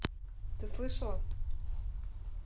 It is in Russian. ты слышала